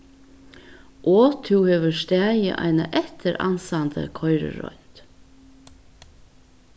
og tú hevur staðið eina eftiransandi koyriroynd